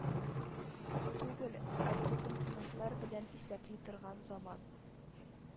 Түгел, ә секунд-минутлар белән исәпли торган заман